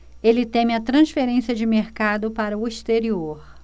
ele teme a transferência de mercado para o exterior